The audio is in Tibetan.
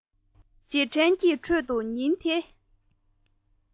རྗེས དྲན གྱི ཁྲོད དུ ཉིན དེ